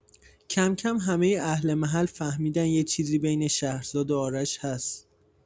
کم‌کم همۀ اهل محل فهمیدن یه چیزی بین شهرزاد و آرش هست.